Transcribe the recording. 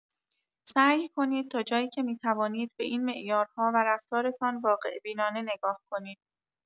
سعی کنید تا جایی که می‌توانید به این معیارها و رفتارتان واقع‌بینانه نگاه کنید.